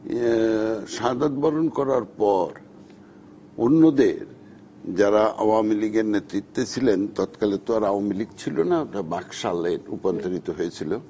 শাহাদাত বরণ করার পর অন্যদের যারা আওয়ামী লীগের নেতৃত্বে ছিলেন তৎকালে তো আর আওয়ামী লীগ ছিল না বাকশালে রূপান্তরিত হয়েছিল